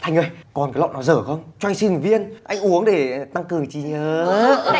thanh ơi còn cái lọ nào dở không cho anh xin một viên anh uống để tăng cường trí nhớ